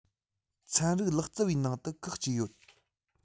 ཚན རིག ལག རྩལ པའི ནང དུ ཁག གཅིག ཡོད